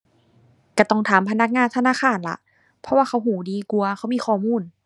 ก็ต้องถามพนักงานธนาคารล่ะ เพราะว่าเขาก็ดีกว่า เขามีข้อมูล